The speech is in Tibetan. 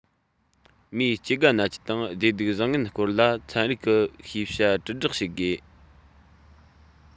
མིའི སྐྱེ རྒ ན འཆི དང བདེ སྡུག བཟང ངན སྐོར ལ ཚན རིག གི ཤེས བྱ དྲིལ བསྒྲགས བྱེད དགོས